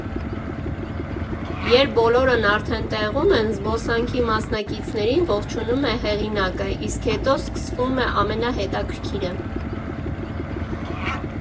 Երբ բոլորն արդեն տեղում են, զբոսանքի մասնակիցներին ողջունում է հեղինակը, իսկ հետո սկսվում է ամենահետաքրքիրը։